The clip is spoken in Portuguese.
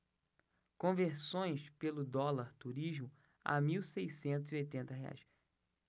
conversões pelo dólar turismo a mil seiscentos e oitenta reais